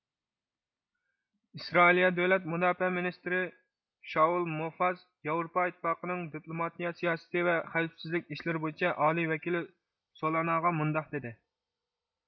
ئىسرائىلىيە دۆلەت مۇداپىئە مىنىستىرى شاۋۇل مۇفاز ياۋروپا ئىتتىپاقىنىڭ دىپلوماتىيە سىياسىتى ۋە خەۋپسىزلىك ئىشلىرى بويىچە ئالىي ۋەكىلى سولاناغا مۇنداق دېدى